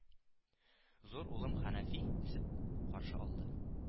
Зур улым Хәнәфи үсеп, каршы алды